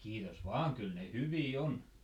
kiitos vain kyllä ne hyviä on